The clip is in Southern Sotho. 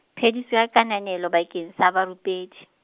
phediso ya kananelo bakeng sa barupedi.